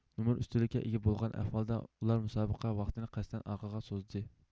نومۇرى ئۈستۈنلۈككە ئىگە بولغان ئەھۋالدا ئۇلار مۇسابىقە ۋاقتىنى قەستەن ئارقىغا سوزدى